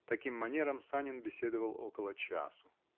-- Таким манером Санин беседовал около часу .